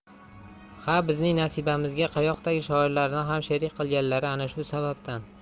ha bizning nasibamizga qayoqdagi shoirlarni ham sherik qilganlari ana shu sababdan